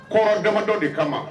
Kɔ damadɔ de kama